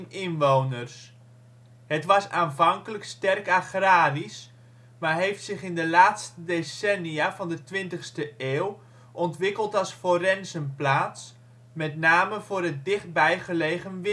inwoners. Het was aanvankelijk sterk agrarisch, maar heeft zich in de laatste decennia van de twintigste eeuw ontwikkeld als forenzenplaats, met name voor het dichtbij gelegen